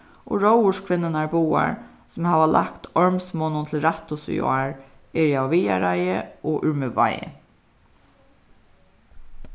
og róðurskvinnurnar báðar sum hava lagt ormsmonnum til rættis í ár eru av viðareiði og úr miðvági